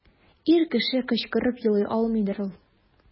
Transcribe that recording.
Ир кеше кычкырып елый алмыйдыр ул.